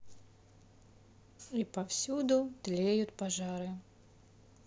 и повсюду тлеют пожары